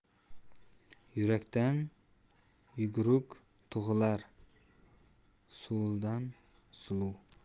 yugurukdan yuguruk tug'ilar suluvdan suluv